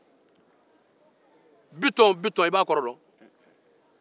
i bɛ botɔn kɔrɔ dɔ